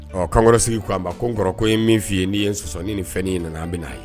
Ɔ kankɔrɔ sigi k'a ma ko n kɔrɔ ko n ye min f'u ye n'i ye n sɔsɔ ni nin fɛnnin in nana an bɛ na a ye.